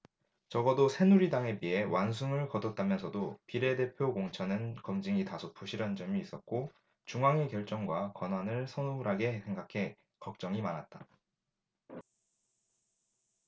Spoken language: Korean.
적어도 새누리당에 비해 완승을 거뒀다면서도 비례대표 공천은 검증이 다소 부실한 점이 있었고 중앙위 결정과 권한을 소홀하게 생각해 걱정이 많았다